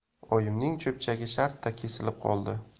oyimning cho'pchagi shartta kesilib qoldi